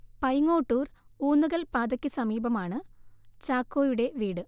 പൈങ്ങോട്ടൂർ - ഊന്നുകൽ പാതയ്ക്ക് സമീപമാണ് ചാക്കോയുടെ വീട്